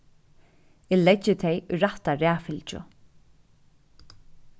eg leggi tey í rætta raðfylgju